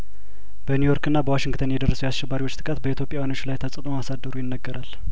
በኒውዮርክና በዋሽንግተን የደረሰው የአሸባሪዎች ጥቃት በኢትዮጵያ ውያኖች ላይ ተጽእኖ ማሳደሩ ይነገራል